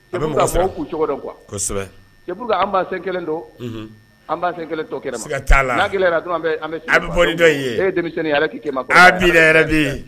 Bɛ cogo an don an bɛ bɔ e alaki